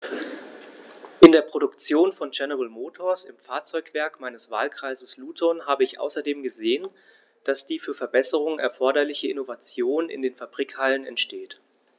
In der Produktion von General Motors, im Fahrzeugwerk meines Wahlkreises Luton, habe ich außerdem gesehen, dass die für Verbesserungen erforderliche Innovation in den Fabrikhallen entsteht.